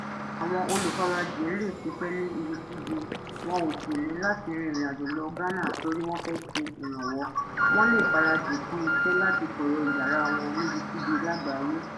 Àwọn Olùfarajìn lè ṣiṣẹ́ láti ibikíbi, wọn ò sì ní látí rin ìrìnàjò lọ Ghana tóri wọ́n fẹ́ ṣe ìrànwọ́; wọ́n lè farajìn fún iṣẹ́ láti kọ̀rọ̀ ìyàrà wọn níbikíbi lágbàáyé.